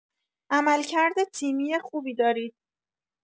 عملکرد تیمی خوبی دارید.